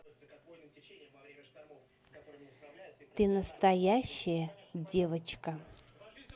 ты настоящая девочка